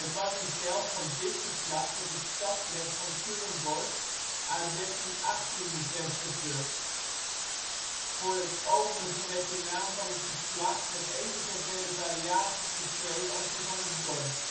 was een telg van dit geslacht dat het stadsrecht van Culemborg uit 1318 bevestigde. Voor het overige werd de naam van het geslacht met evenzovele variaties geschreven als die van het dorp